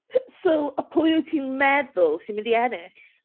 So, pwy wyt ti'n meddwl sy'n mynd i ennill?